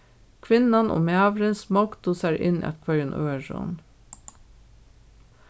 kvinnan og maðurin smoygdu sær inn at hvørjum øðrum